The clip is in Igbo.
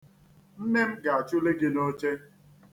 Nne m ga-achụli gị n'oche.